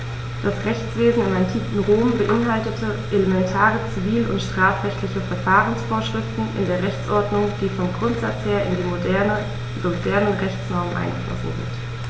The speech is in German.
Das Rechtswesen im antiken Rom beinhaltete elementare zivil- und strafrechtliche Verfahrensvorschriften in der Rechtsordnung, die vom Grundsatz her in die modernen Rechtsnormen eingeflossen sind.